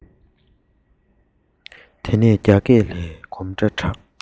དེ ནས རྒྱ སྐས ལས གོམ སྒྲ གྲགས